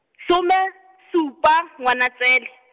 some, supa, Ngwanatsele.